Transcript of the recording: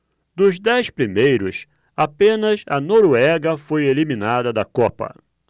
dos dez primeiros apenas a noruega foi eliminada da copa